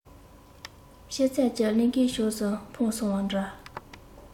སྐྱེད ཚལ གྱི གླིང གའི ཕྱོགས སུ འཕངས སོང བ འདྲ